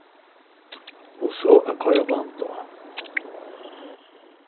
og so at koyra band á